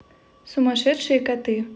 сумасшедшие коты